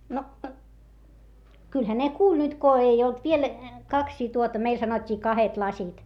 no kyllähän ne kuuli nyt kun ei ollut vielä kaksia tuota meillä sanottiin kahdet lasit